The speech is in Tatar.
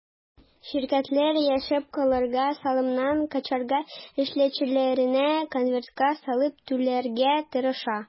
Ширкәтләр яшәп калырга, салымнан качарга, эшчеләренә конвертка салып түләргә тырыша.